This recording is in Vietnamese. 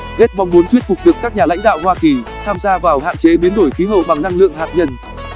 gates mong muốn thuyết phục được các nhà lãnh đạo hoa kỳ tham gia vào hạn chế biến đổi khí hậu bằng năng lượng hạt nhân